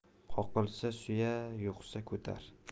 qoqilsa suya yiqusa ko'tar